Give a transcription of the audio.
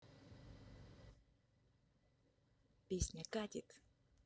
песня катит